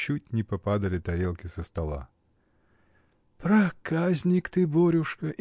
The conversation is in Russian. чуть не попадали тарелки со стола. — Проказник ты, Борюшка!